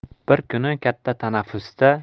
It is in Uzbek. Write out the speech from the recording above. bir kuni katta tanaffusda